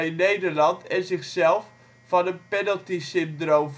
Nederland (en zichzelf) van een penaltysyndroom